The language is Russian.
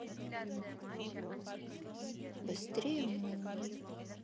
быстрее молнии